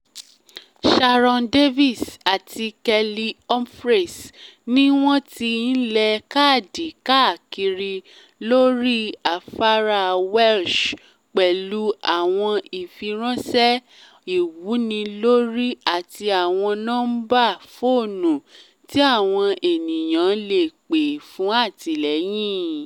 Sharon Davis àti Kelly Humphreys ní wọ́n ti ń lẹ Káàdì káàkiri lórí afárá Welsh pẹ̀lú àwọn ìfiránṣẹ́ awúnilórí àti àwọn nọ́ńbà fóònù tí àwọn ènìyàn le pè fún àtìlẹyìn.